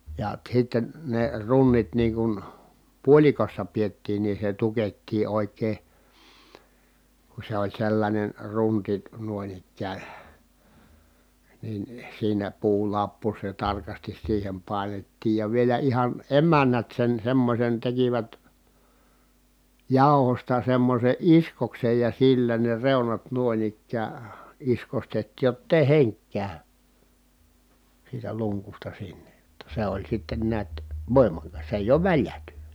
ja sitten ne runnit niin kuin puolikossa pidettiin niin se tukettiin oikein kun se oli sellainen runti noin ikään niin siinä puulappu se tarkasti siihen painettiin ja vielä ihan emännät sen semmoisen tekivät jauhoista semmoisen iskoksen ja sillä ne reunat noin ikään iskostettiin jotta ei henki käy siitä lunkusta sinne jotta se oli sitten näet voimakas se ei ole väljähtynyt